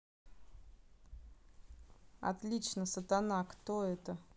отлично сатана кто это